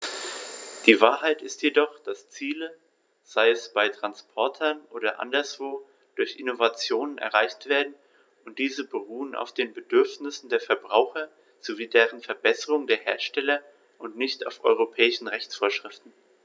Die Wahrheit ist jedoch, dass Ziele, sei es bei Transportern oder woanders, durch Innovationen erreicht werden, und diese beruhen auf den Bedürfnissen der Verbraucher sowie den Verbesserungen der Hersteller und nicht nur auf europäischen Rechtsvorschriften.